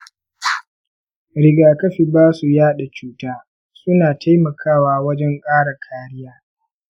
rigakafi ba su yaɗa cuta ; suna taimakawa wajen ƙara kariya.